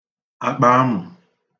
àkpàamụ̀